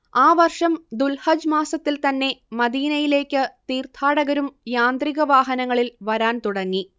ആ വർഷം ദുൽഹജ്ജ് മാസത്തിൽ തന്നെ മദീനയിലേക്ക് തീർത്ഥാടകരും യാന്ത്രിക വാഹനങ്ങളിൽ വരാൻ തുടങ്ങി